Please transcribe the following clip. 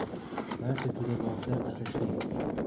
barcha to'daboshilar asadbek